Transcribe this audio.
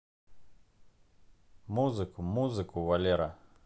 музыку музыку валера